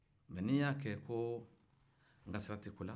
mɛ ni y'a kɛ ko an ka sira tɛ ko la